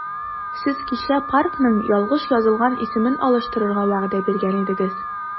Сез кичә паркның ялгыш язылган исемен алыштырырга вәгъдә биргән идегез.